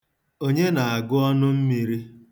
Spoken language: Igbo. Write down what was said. Onye na-agụ ọnụmmiri?